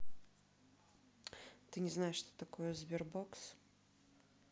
ты не знаешь что такое sberbox